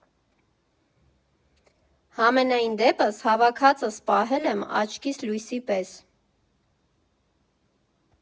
Համենայն դեպս, հավաքածս պահել եմ աչքիս լույսի պես։